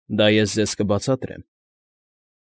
Դա ես ձեզ կբացատրեմ։